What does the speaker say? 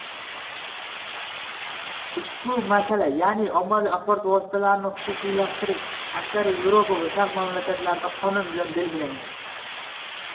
ushbu masala ya'ni ommaviy axborot vositalarini xususiylashtirish aksariyat yevropa va sharq mamlakatlarida qonun bilan belgilangan